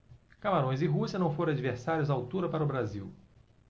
camarões e rússia não foram adversários à altura para o brasil